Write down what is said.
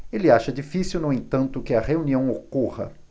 ele acha difícil no entanto que a reunião ocorra